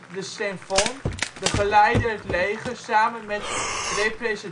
de Saint-Fond begeleidde het leger samen met représentant du